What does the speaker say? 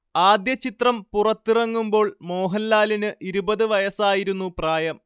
ആദ്യ ചിത്രം പുറത്തിറങ്ങുമ്പോൾ മോഹൻലാലിന് ഇരുപത് വയസ്സായിരുന്നു പ്രായം